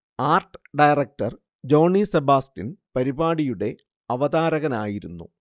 art director Johny Sebastian പരിപാടിയുടെ അവതാരകനായിരുന്നു